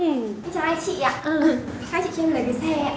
em chào hai chị ạ hai chị cho em lấy cái xe ạ